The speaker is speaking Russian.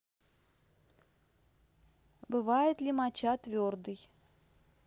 бывает ли моча твердый